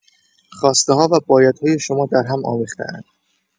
خواسته‌ها و بایدهای شما درهم آمیخته‌اند.